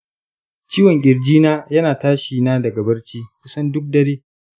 ciwon ƙirji na yana tashi na daga bacci kusan duk dare.